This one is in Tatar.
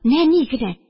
Нәни генә